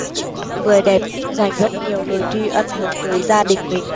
người đẹp cũng dành rất nhiều lời tri ân hướng tới gia đình mình